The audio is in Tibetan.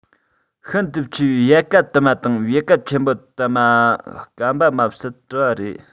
ཤིན ཏུ ཆེ བའི ཡལ ག དུ མ དང ཡལ ག ཆེན པོ དུ མ སྐམ པ མ ཟད བྲུལ བ རེད